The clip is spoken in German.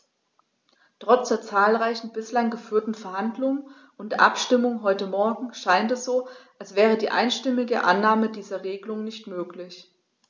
Trotz der zahlreichen bislang geführten Verhandlungen und der Abstimmung heute Morgen scheint es so, als wäre die einstimmige Annahme dieser Regelung nicht möglich.